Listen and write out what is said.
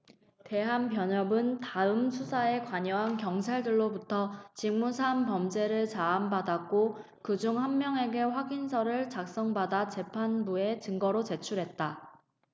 대한변협은 당시 수사에 관여한 경찰들로부터 직무상범죄를 자인받았고 그 중 한 명에게 확인서를 작성받아 재판부에 증거로 제출했다